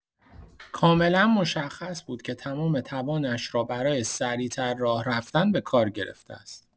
کاملا مشخص بود که تمام توانش را برای سریع‌تر راه‌رفتن به کار گرفته است.